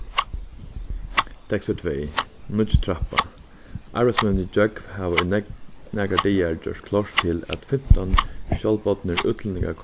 tekstur tvey nýggj trappa arbeiðsmenn við gjógv hava í nakrar dagar gjørt klárt til at fimtan sjálvbodnir útlendingar